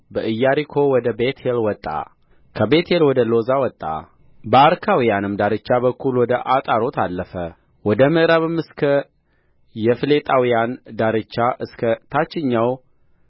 በኢያሪኮ ወደ ቤቴል ወጣ ከቤቴል ወደ ሎዛ ወጣ በአርካውያንም ዳርቻ በኩል ወደ አጣሮት አለፈ ወደ ምዕራብም እስከ የፍሌጣውያን ዳርቻ እስከ ታችኛው